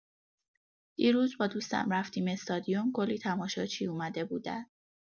دیروز با دوستم رفتیم استادیوم، کلی تماشاچی اومده بودن!